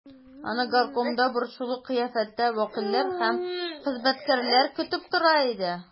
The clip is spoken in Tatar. Аны горкомда борчулы кыяфәттә вәкилләр һәм хезмәткәрләр көтеп тора иде.